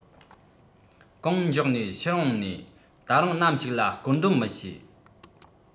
གང མགྱོགས ནས ཕྱིར འོང ནས ད རུང ནམ ཞིག ལ བསྐོར འདོད མི ཤེས